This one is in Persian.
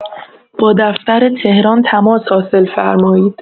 با دفتر تهران تماس حاصل فرمایید